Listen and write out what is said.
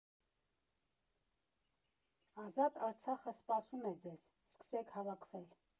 Ազատ Արցախը սպասում է ձեզ, սկսեք հավաքվել։